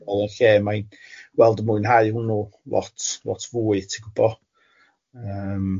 bo netball yn lle mae'n gweld y mwynhau hwnnw lot lot fwy ti'n gwybo yym.